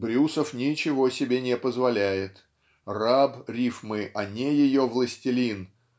Брюсов ничего себе не позволяет. Раб рифмы а не ее властелин